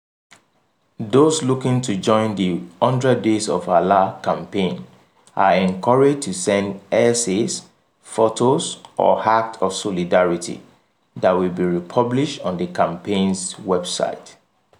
Those looking to join the "100 days for Alaa" campaign are encouraged to send "essays, photos or acts of solidarity" that will be republished on the campaign's website: